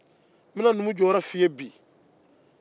n bɛna numu jɔyɔrɔ fɔ i ye bi